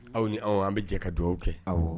Aw ni anw an bi jɛ ka dugawu kɛ. Awɔ